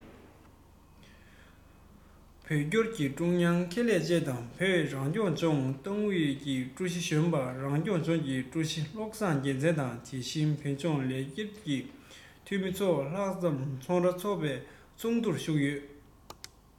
བོད སྐྱོར གྱི ཀྲུང དབྱང ཁེ ལས བཅས དང བོད རང སྐྱོང ལྗོངས ཏང ཨུད ཀྱི ཧྲུའུ ཅི གཞོན པ རང སྐྱོང ལྗོངས ཀྱི ཀྲུའུ ཞི བློ བཟང རྒྱལ མཚན དང དེ བཞིན བོད སྐྱོར ལས བྱེད ཀྱི འཐུས མི སོགས ལྷག ཙམ ཚོགས ར གཙོ བོའི ཚོགས འདུར ཞུགས ཡོད